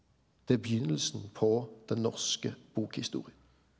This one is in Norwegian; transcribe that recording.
det er byrjinga på den norske bokhistorie.